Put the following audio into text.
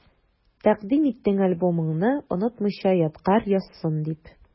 Тәкъдим иттең альбомыңны, онытмыйча ядкарь язсын дип.